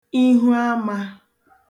ihuamā